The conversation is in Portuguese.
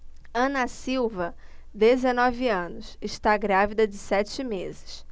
ana silva dezenove anos está grávida de sete meses